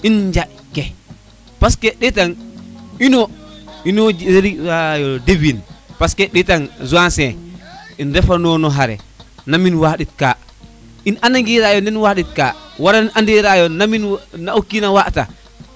in njaanj ke parce ɗetan ino rira lo devin parce que ɗatan Zancier inde fa nonu xaye nam im waɗiɗ ka in ande gero nam waɗit ka wara andera nam o kiin waaɗta